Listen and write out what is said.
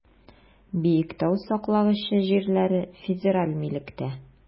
Биектау саклагычы җирләре федераль милектә.